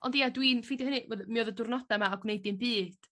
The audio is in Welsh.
Ond ia dwi'n ffindio hynny mi odd mi odd y diwrnoda' 'ma o gwneud dim byd